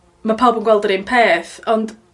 ma' pawb yn gweld yr un peth ond